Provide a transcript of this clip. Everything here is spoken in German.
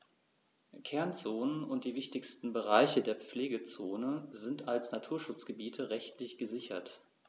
Kernzonen und die wichtigsten Bereiche der Pflegezone sind als Naturschutzgebiete rechtlich gesichert.